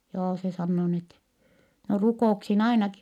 joo se sanoo niin että no rukouksiin ainakin